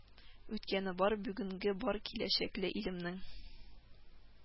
Үткәне бар, бүгене барКиләчәкле илемнең